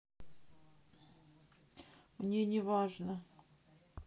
мне не важно